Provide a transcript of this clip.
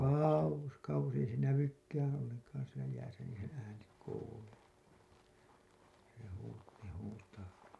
kauas kauas ei se näykään ollenkaan siellä jäässä niin se ääni kuuluu se - se huutaa